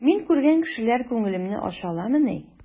Мин күргән кешеләр күңелемне ача аламыни?